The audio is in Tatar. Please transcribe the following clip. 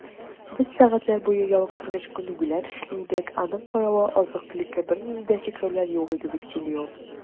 Без сәгатьләр буе ялыктыргыч күнегүләр эшли идек, аның каравы, азык-төлеккә бернинди дә чикләүләр юк иде, - дип сөйли ул.